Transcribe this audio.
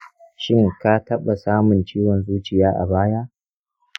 shin ka taɓa samun ciwon zuciya a baya?